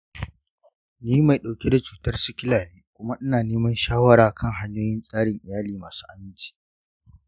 ni mai dauke da cutar sikila ne kuma ina neman shawara kan hanyoyin tsarin iyali masu aminci.